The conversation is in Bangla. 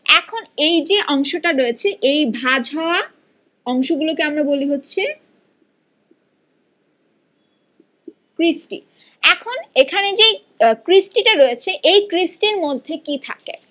এখন এই যে অংশটা রয়েছে এই ভালো অংশগুলোকে আমরা বলি হচ্ছে ক্রিস্টি এখন এখানে যে ক্রিস্টি টা রয়েছে এই ক্রিস্টির মধ্যে কি থাকে